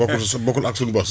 bokkul ak suñ bokkul ak suñu bos